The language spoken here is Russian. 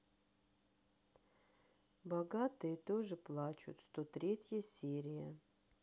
богатые тоже плачут сто третья серия